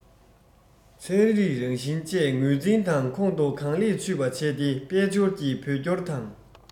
ཚན རིག རང བཞིན བཅས ངོས འཛིན དང ཁོང དུ གང ལེགས ཆུད པ བྱས ཏེ དཔལ འབྱོར གྱི བོད སྐྱོར དང